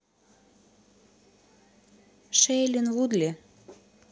шейлин вудли